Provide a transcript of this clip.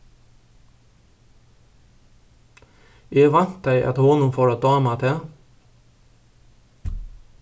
eg væntaði at honum fór at dáma tað